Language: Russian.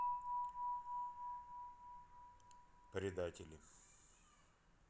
предатели